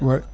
ouais